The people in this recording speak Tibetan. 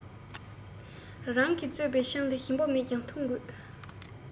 རང གིས བཙོས པའི ཆང དེ ཞིམ པོ མེད ཀྱང འཐུང དགོས